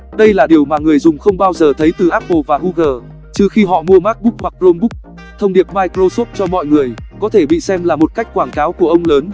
đây là điều mà người dùng không bao giờ thấy từ apple và google trừ khi họ mua macbook hoặc chromebook thông điệp microsoft cho mọi người có thể bị xem là một cách quảng cáo của ông lớn